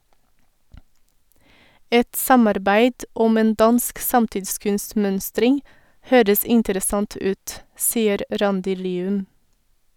- Et samarbeid om en dansk samtidskunstmønstring høres interessant ut, sier Randi Lium.